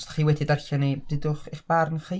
Os ydach chi wedi darllen hi, deudwch eich barn chi.